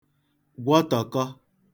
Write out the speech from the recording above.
gwọtọ̀kọ